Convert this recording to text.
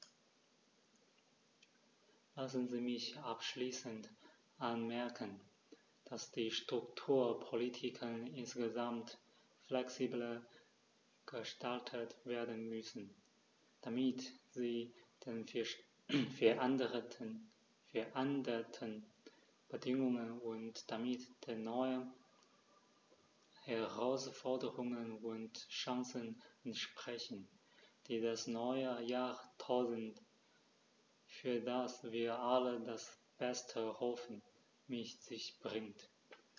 Lassen Sie mich abschließend anmerken, dass die Strukturpolitiken insgesamt flexibler gestaltet werden müssen, damit sie den veränderten Bedingungen und damit den neuen Herausforderungen und Chancen entsprechen, die das neue Jahrtausend, für das wir alle das Beste hoffen, mit sich bringt.